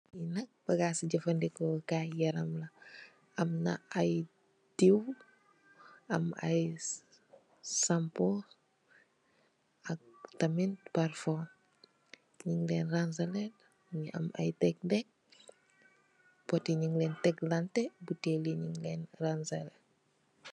Li nak bagass si jeffa ndiko kai yaram la, amna ay deew, am ay shampo, ak tamit perfume nyung len rang seleh mungi am ay dekdek. pot yi nyung len tek lante butel yi nyung len rang seleh